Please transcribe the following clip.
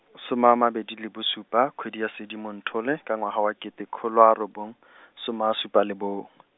soma a mabedi le bosupa, kgwedi ya Sedimonthole, ka ngwaga wa kete kholo a robong , soma a supa le bo- .